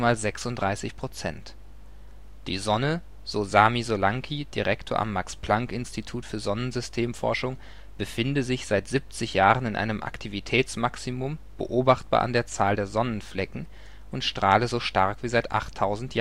36 %. Die Sonne, so Sami Solanki, Direktor am Max-Planck-Institut für Sonnensystemforschung, befinde sich seit 70 Jahren in einem Aktivitätsmaximum, beobachtbar an der Zahl der Sonnenflecken, und strahle so stark wie seit 8.000